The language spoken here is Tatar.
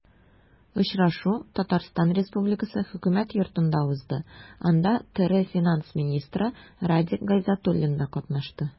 Очрашу Татарстан Республикасы Хөкүмәт Йортында узды, анда ТР финанс министры Радик Гайзатуллин да катнашты.